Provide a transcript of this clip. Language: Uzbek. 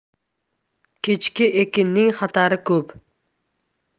kechki ekinning xatari ko'p